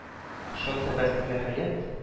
Шат тәбәссемле хәят?..